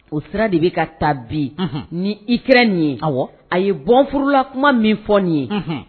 O sira de bɛ ka ta bi. Unhun, N'i sɛra nin ye, awɔ, a ye bɔfurukakuma min fɔ nin ye, unhun.